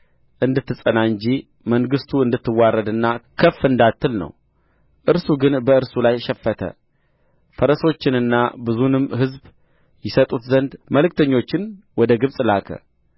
እንድትጸና እንጂ መንግሥቱ እንድትዋረድና ከፍ እንዳትል ነው እርሱ ግን በእርሱ ላይ ሸፈተ ፈረሶችንና ብዙንም ሕዝብ ይሰጡት ዘንድ መልእክተኞችን ወደ ግብጽ ላከ